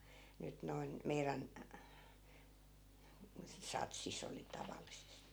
nyt noin meidän satsissa oli tavallisesti